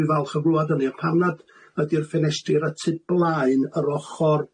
Dwi falch o glwad hynny a pam nad ydi'r ffenestri yr y tu blaen yr ochor,